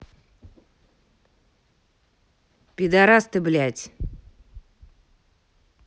пидарас ты блядь